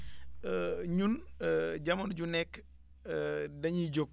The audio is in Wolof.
ñun jamono ju nekk dañuy jóg